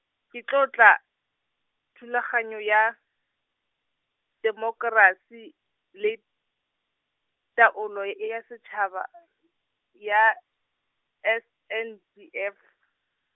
ke tlotla, thulaganyo ya, temokerasi, le, taolo y- ya setšhaba , ya, S N D F.